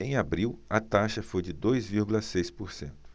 em abril a taxa foi de dois vírgula seis por cento